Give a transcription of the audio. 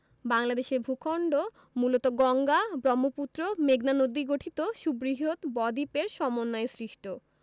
বাংলাদেশের ভূখন্ড মূলত গঙ্গা ব্রহ্মপুত্র মেঘনা নদীগঠিত সুবৃহৎ বদ্বীপের সমন্বয়ে সৃষ্ট